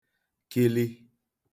kili